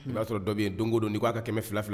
I b'a sɔrɔ dɔ bɛ yen don ko don n k'a ka kɛmɛ fila